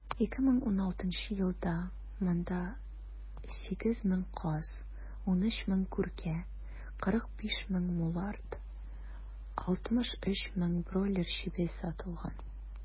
2016 елда монда 8 мең каз, 13 мең күркә, 45 мең мулард, 63 мең бройлер чебие сатылган.